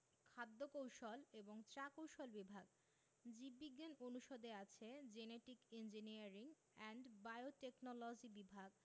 খাদ্য কৌশল এবং চা কৌশল বিভাগ জীব বিজ্ঞান অনুষদে আছে জেনেটিক ইঞ্জিনিয়ারিং এন্ড বায়োটেকনলজি বিভাগ